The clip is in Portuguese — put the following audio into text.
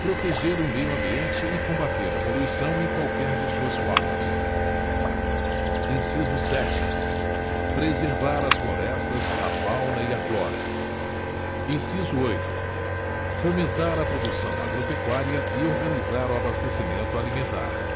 proteger o meio ambiente e combater a poluição em qualquer de suas formas inciso sete preservar as florestas a fauna e a flora inciso oito fomentar a produção agropecuária e organizar o abastecimento alimentar